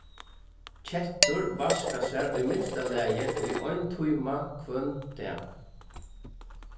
kettur vaska sær í minsta lagi í ein tíma hvønn dag